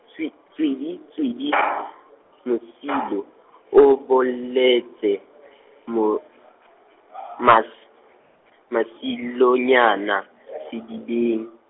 tswi- tswidi, tswidi , Masilo, o boletse, Mo- , Mas- Masilonyana , sedibeng.